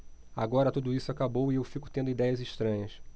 agora tudo isso acabou e eu fico tendo idéias estranhas